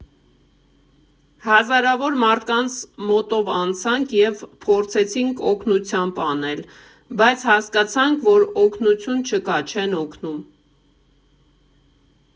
Հազարավոր մարդկանց մոտով անցանք և փորձեցինք օգնությամբ անել, բայց հասկացանք, որ օգնություն չկա, չեն օգնում։